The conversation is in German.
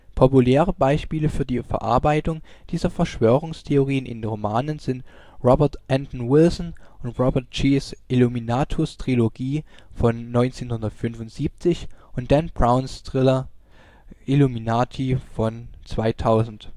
Populäre Beispiele für die Verarbeitung dieser Verschwörungstheorien in Romanen sind Robert Anton Wilson und Robert Sheas Illuminatus-Trilogie von 1975 und Dan Browns Thriller Illuminati von 2000